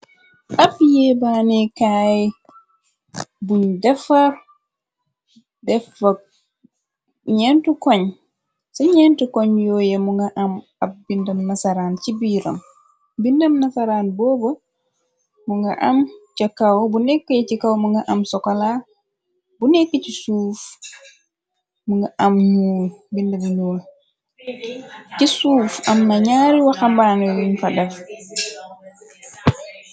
Ab yebanekaye bun defar defa nyente kong ci nyente kong yooya mu nga am ab bindam nasaraan ci biiram bindam nasaraan booba mu nga am ca kaw bu neke se kaw ci kaw mu nga am sokola bu nekk ci suuf mu nga am nuul binde mu ñuul ci suuf am na ñaari waxambaanu yuñ fa def.